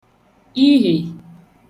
ihè